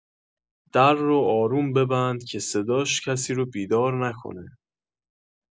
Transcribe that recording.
در رو آروم ببند که صداش کسی رو بیدار نکنه